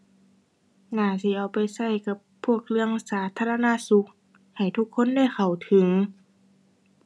น่าสิเอาไปใช้กับพวกเรื่องสาธารณสุข ให้ทุกคนได้เข้าถึง